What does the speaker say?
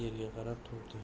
yerga qarab turdi